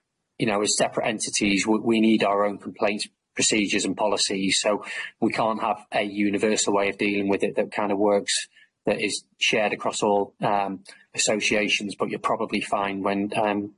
You know as separate entities w- we need our own complaint procedures and policies, so we can't have a universal way of dealing with it that kind of works- that is shared across all um associations, but you'll probably find when erm